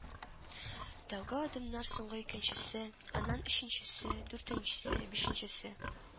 Тәүге адымнар соңгы икенчесе, аннан өченчесе, дүртенчесе, бишенчесе